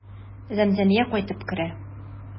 Зәмзәмия кайтып керә.